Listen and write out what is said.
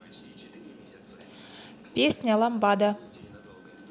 песня ламбада